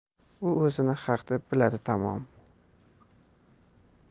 u o'zini haq deb biladi tamom